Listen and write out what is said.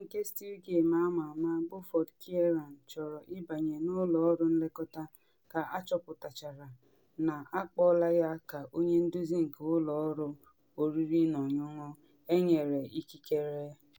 Onye nke Still Game ama ama bụ Ford Kieran chọrọ ịbanye n’ụlọ ọrụ nlekọta ka achọpụtachara na akpọọla ya ka onye nduzi nke ụlọ ọrụ oriri na ọṅụṅụ enyere ikikere.